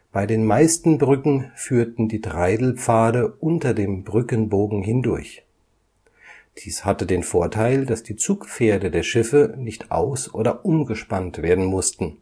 Bei den meisten Brücken führten die Treidelpfade unter dem Brückenbogen hindurch. Dies hatte den Vorteil, dass die Zugpferde der Schiffe nicht aus - oder umgespannt werden mussten